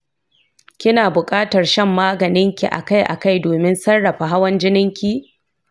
kina buƙatar shan maganinki akai-akai domin sarrafa hawan jininki.